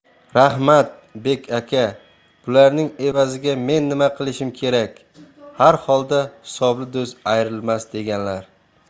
rahmat bek aka bularning evaziga men nima qilishim kerak har holda hisobli do'st ayrilmas deganlar